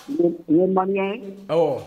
N man ɲɛ